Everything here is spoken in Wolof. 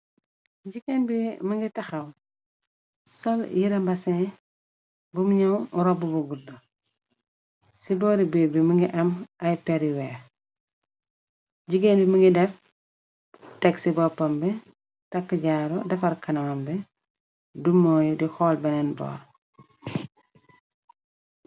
Jigeen bi mënga taxaw, sol yirambasin bu mu ñaw rob bogurda, ci boori biig ri mëngi am ay periweir, jigéen bi mënga def, teg ci boppamb, tàkk jaaru, defar kanawambe, du mooyu di xool beneen boor.